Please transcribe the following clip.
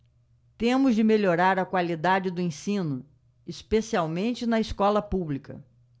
temos de melhorar a qualidade do ensino especialmente na escola pública